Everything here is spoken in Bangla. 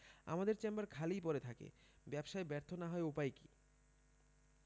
আমাদের চেম্বার খালিই পড়ে থাকে ব্যবসায় ব্যর্থ না হয়ে উপায় কী